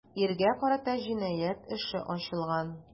Иргә карата җинаять эше ачылган.